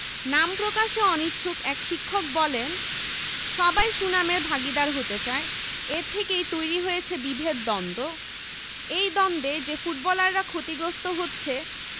নাম প্রকাশে অনিচ্ছুক এক শিক্ষক বললেন সবাই সুনামের ভাগীদার হতে চায় এ থেকেই তৈরি হয়েছে বিভেদ দ্বন্দ্ব এই দ্বন্দ্বে যে ফুটবলাররা ক্ষতিগ্রস্ত হচ্ছে